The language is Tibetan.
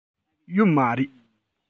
ཡོད མ རེད